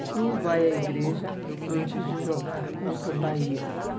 flu vai à igreja antes de jogar contra o bahia